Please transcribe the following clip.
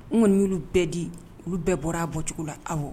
N kɔni y'olu bɛɛ di olu bɛɛ bɔra a bɔcogo lakaw